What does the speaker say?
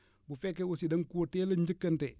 bu fekkee aussi da nga koo teel a njëkkante